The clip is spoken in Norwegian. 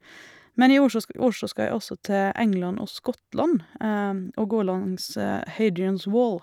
Men i år så sk år så skal jeg også til England og Skottland og gå langs Hadrian's Wall.